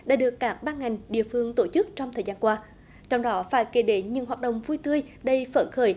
đã được các ban ngành địa phương tổ chức trong thời gian qua trong đó phải kể đến những hoạt động vui tươi đầy phấn khởi